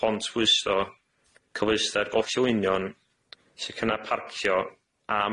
pont fwyso cyfleustar gorllwynion llecynna parcio a